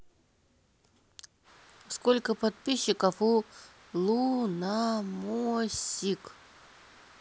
сколько подписчиков у лунамосик